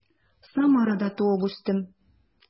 Самарда туып үстем.